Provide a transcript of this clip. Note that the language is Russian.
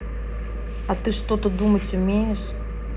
а ты что то думать умеешь